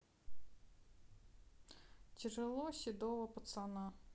тяжело седого пацана